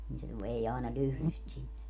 niin se se vei aina lyhdyn sitten sinne